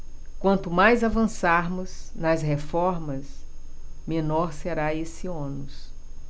quanto mais avançarmos nas reformas menor será esse ônus